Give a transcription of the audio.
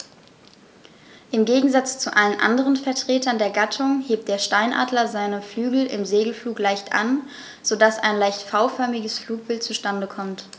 Im Gegensatz zu allen anderen Vertretern der Gattung hebt der Steinadler seine Flügel im Segelflug leicht an, so dass ein leicht V-förmiges Flugbild zustande kommt.